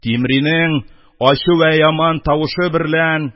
Тимринең ачы вә яман тавышы берлән: